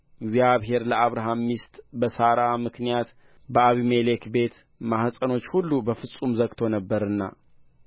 እግዚአብሔር በአብርሃም ሚስት በሣራ ምክንያት በአቢሜሌክ ቤት ማኅፀኖችን ሁሉ በፍጹም ዘግቶ ነበርና